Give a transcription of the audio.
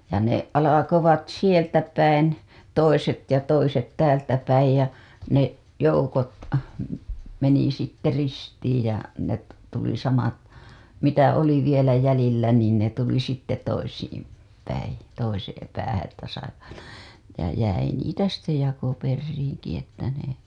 ja ne alkoivat sieltä päin toiset ja toiset täältä päin ja ne joukot meni sitten ristiin ja ne tuli samat mitä oli vielä jäljellä niin ne tuli sitten toisiin päin toiseen päähän että saivat ja jäi niitä sitten jakoperiinkin että ne